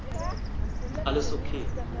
Alles OK.